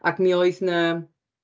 Ac mi oedd 'na...